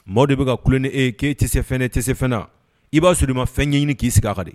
Maaw de bɛka ka ku ni e k'e tesɛ tɛsɛfɛnna i b'a sɔrɔ i ma fɛn ɲɛɲini ɲini k'i sigi ka di